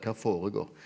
hva foregår?